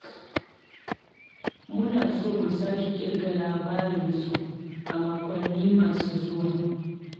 Muna so mu sake kirga labarinsu a makwanni masu zuwa.